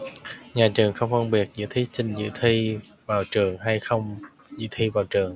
nhà trường không phân biệt giữa thí sinh dự thi vào trường hay không dự thi vào trường